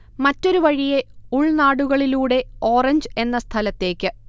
മറ്റൊരു വഴിയെ, ഉൾനാടുകളിലൂടെ, ഓറഞ്ച് എന്ന സ്ഥലത്തേക്ക്